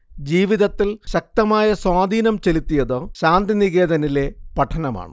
ജീവിതത്തിൽ ശക്തമായ സ്വാധീനം ചെലുത്തിയത് ശാന്തിനികേതനിലെ പഠനമാണ്